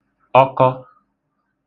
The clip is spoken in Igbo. ọkọ